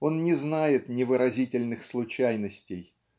он не знает невыразительных случайностей.